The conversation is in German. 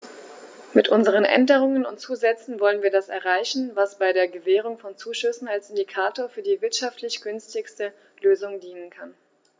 Mit unseren Änderungen und Zusätzen wollen wir das erreichen, was bei der Gewährung von Zuschüssen als Indikator für die wirtschaftlich günstigste Lösung dienen kann.